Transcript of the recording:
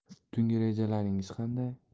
tungi rejalaringiz qanday